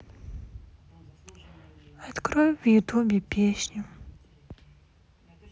открой в ютубе песню